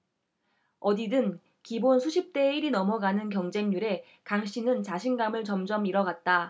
어디든 기본 수십대 일 이 넘어가는 경쟁률에 강 씨는 자신감을 점점 잃어 갔다